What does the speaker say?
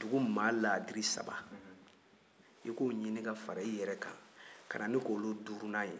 dugu maa ladiri saba i ko ɲinin ka fara i yɛrɛ kan ka na ne kɛ olu duurunan ye